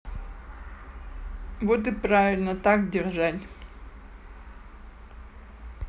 вот и правильно так держать